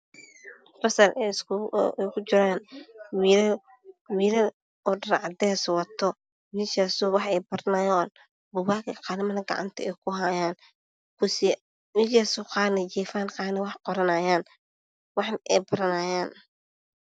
Bas ay ku jiraan wilal wilal dhar cades ah wataan qarna ay jifaan qarna wax ay qoranayaan